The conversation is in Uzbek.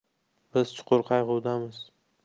biz chuqur qayg'udamiz